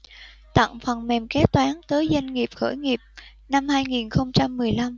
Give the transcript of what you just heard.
tặng phần mềm kế toán tới doanh nghiệp khởi nghiệp năm hai nghìn không trăm mười lăm